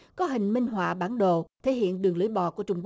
có hình minh hỏa bản đồ thể hiện đường lưỡi bò của trung